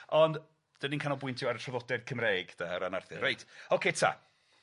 Ond 'dyn ni'n canolbwyntio ar y traddodiad Cymreig de o ran Arthur. Reit. Ocê ta.